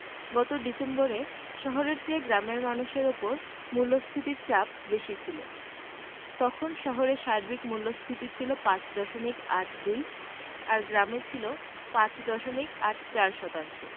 গত ডিসেম্বরে শহরের চেয়ে গ্রামের মানুষের ওপর মূল্যস্ফীতির চাপ বেশি ছিল তখন শহরে সার্বিক মূল্যস্ফীতি ছিল ৫ দশমিক ৮২ আর গ্রামে ছিল ৫ দশমিক ৮৪ শতাংশ